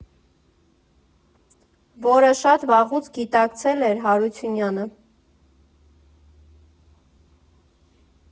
Որը շատ վաղուց գիտակցել էր Հարությունյանը։